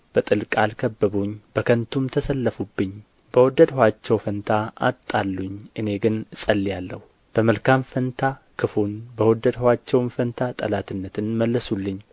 በጥል ቃል ከበቡኝ በከንቱም ተሰለፉብኝ በወደድኋቸው ፋንታ አጣሉኝ እኔ ግን እጸልያለሁ በመልካም ፋንታ ክፉን በወደድኋቸውም ፋንታ ጠላትነትን መለሱልኝ